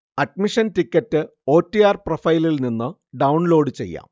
Admission ticket O. T. R പ്രൊഫൈലിൽനിന്ന് download ചെയ്യാം